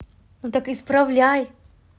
ну так исправляй